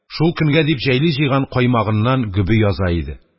Шул көнгә дип җәйли җыйган каймагыннан гөбе яза иде.